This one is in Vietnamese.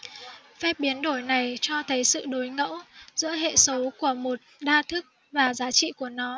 phép biến đổi này cho thấy sự đối ngẫu giữa hệ số của một đa thức và giá trị của nó